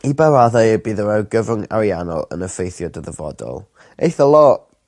I ba raddau y bydd yr argyfwng ariannol yn effeithio dy ddyfodol? Eitha lo'.